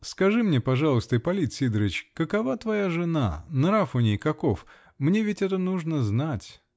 -- Скажи мне, пожалуйста, Ипполит Сидорыч, какова твоя жена? Нрав у ней каков? Мне ведь это нужно знать.